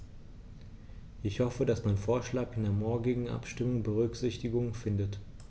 Ich hoffe, dass mein Vorschlag in der morgigen Abstimmung Berücksichtigung findet.